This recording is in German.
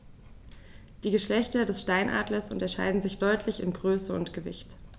Die Geschlechter des Steinadlers unterscheiden sich deutlich in Größe und Gewicht.